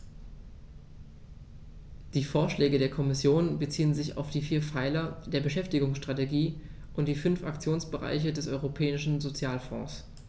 Die Vorschläge der Kommission beziehen sich auf die vier Pfeiler der Beschäftigungsstrategie und die fünf Aktionsbereiche des Europäischen Sozialfonds.